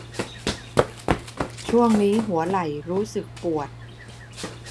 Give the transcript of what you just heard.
ช่วงนี้หัวไหล่รู้สึกปวด